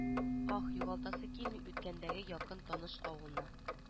Ах югалтасы килми үткәндәге якын таныш авылны